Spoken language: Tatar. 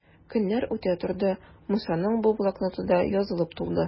Көннәр үтә торды, Мусаның бу блокноты да язылып тулды.